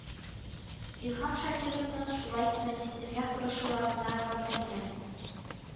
Илһам Шакировны шулай түбәнсетергә тырышуларына гарьләнгән